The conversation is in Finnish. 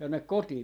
tänne kotiin